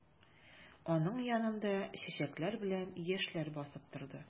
Аның янында чәчәкләр белән яшьләр басып торды.